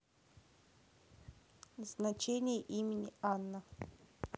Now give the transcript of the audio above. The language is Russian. значение имени анна